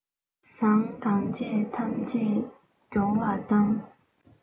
བཟང གང བྱས ཐམས ཅད གྱོང ལ བཏང